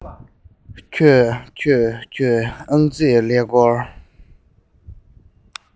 ཁྱོད ཁྱོད ཁྱོད ཨང རྩིས ཀླད ཀོར